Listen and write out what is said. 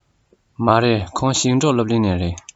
མ རེད ཁོང ཞིང འབྲོག སློབ གླིང ནས རེད